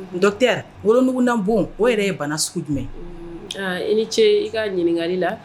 Dɔtɛ worougu na bon o yɛrɛ ye bana sugu jumɛn aa i ni ce i ka ɲininkaga la